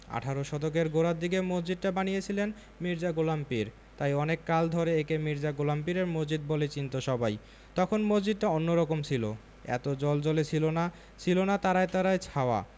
আঠারো শতকের গোড়ার দিকে মসজিদটা বানিয়েছিলেন মির্জা গোলাম পীর তাই অনেক কাল ধরে একে মির্জা গোলাম পীরের মসজিদ বলেই চিনতো সবাই তখন মসজিদটা অন্যরকম ছিল এত জ্বলজ্বলে ছিল না ছিলনা তারায় তারায় ছাওয়া